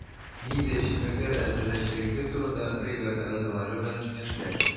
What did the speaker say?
Нинди эчемлекләр әзерләячәгегез турында бригада әгъзалары белән киңәшләш.